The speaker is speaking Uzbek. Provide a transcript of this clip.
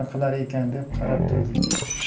qilar ekan deb qarab turdik